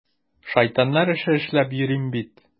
Шайтаннар эше эшләп йөрим бит!